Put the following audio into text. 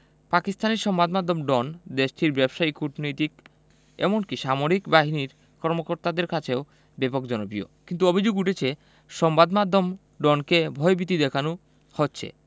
পাকিস্তানি সংবাদ মাধ্যম ডন দেশটির ব্যবসায়ী কূটনীতিক এমনকি সামরিক বাহিনীর কর্মকর্তাদের কাছেও ব্যাপক জনপ্রিয় কিন্তু অভিযোগ উঠেছে সংবাদ মাধ্যম ডনকে ভয়ভীতি দেখানো হচ্ছে